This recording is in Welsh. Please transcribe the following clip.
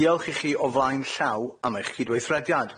Diolch ichi o flaen llaw am eich cydweithrediad.